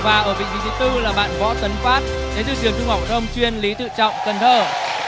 và ở vị trí thứ tư là bạn võ tấn phát đến từ trường trung học phổ thông chuyên lý tự trọng cần thơ